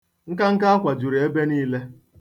Nkanka akwa juru ebe niile.